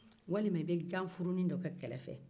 walima i bɛ ganforonin dɔ kɛ kɛrɛfɛ